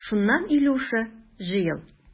Шуннан, Илюша, җыел.